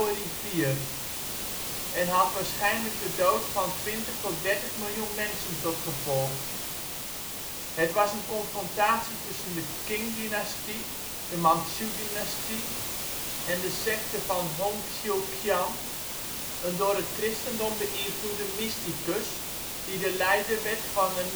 Rivier) en had waarschijnlijk de dood van 20-30 miljoen mensen tot gevolg. Het was een confrontatie tussen de Qing-dynastie (Mantsjoe-dynastie) en de sekte van Hong Xiuqian (洪秀全), een door het christendom beïnvloede mysticus, die de leider werd van een millenniaristische